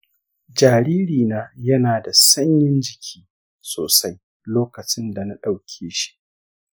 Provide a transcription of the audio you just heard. jaririna yana da sanyin jiki sosai lokacin da na ɗauke shi.